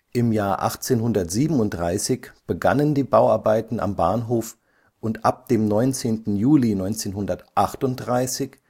Im Jahr 1837 begannen die Bauarbeiten am Bahnhof und ab dem 19. Juli 1838